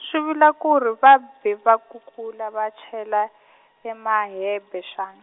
swi vula ku ri va be va kukula va chela , e Mahebe xan-.